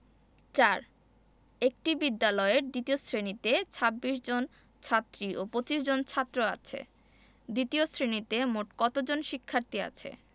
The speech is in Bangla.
৪ একটি বিদ্যালয়ের দ্বিতীয় শ্রেণিতে ২৬ জন ছাত্রী ও ২৫ জন ছাত্র আছে দ্বিতীয় শ্রেণিতে মোট কত জন শিক্ষার্থী আছে